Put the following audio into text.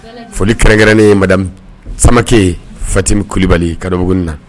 Foli kɛrɛnkɛrɛnnen madame Samake Fatim Coulibaly Kadɔbugunin na